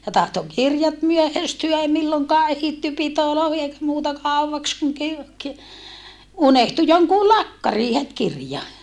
ja tahtoi kirjat myöhästyä ei milloinkaan ehditty pitoihin eikä muuta kauaksi kun -- unohtui jonkun lakkariin heti kirja